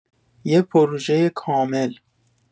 یه پروژه کامل